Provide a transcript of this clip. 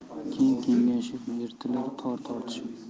keng kengashib yirtilar tor tortishib